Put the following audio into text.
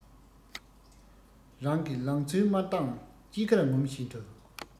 རང གི ལང ཚོའི དམར མདངས ཅི དགར ངོམ བཞིན དུ